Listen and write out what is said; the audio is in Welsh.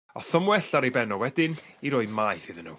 a thomwellt ar 'i ben o wedyn i roi maeth iddyn n'w.